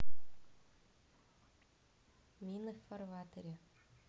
мины в фарватере